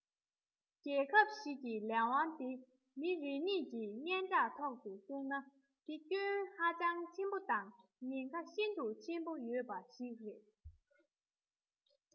རྒྱལ ཁབ ཞིག གི ལས དབང དེ མི རེ གཉིས ཀྱི སྙན གྲགས ཐོག ཏུ བཙུགས ན དེ སྐྱོན ཧ ཅང ཆེན པོ དང ཉེན ཁ ཤིན ཏུ ཆེན པོ ཡོད པ ཞིག རེད